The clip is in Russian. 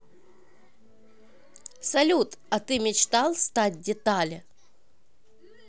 салют а ты мечтал стать детали